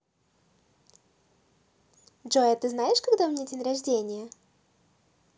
джой а ты знаешь когда у меня день рождения